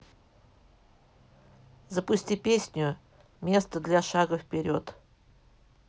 запусти песню место для шага вперед